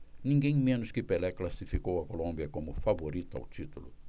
ninguém menos que pelé classificou a colômbia como favorita ao título